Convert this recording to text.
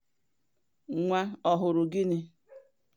Nwa ọhụrụ gị?